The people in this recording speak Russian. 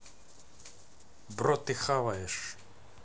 бро ты хаваешь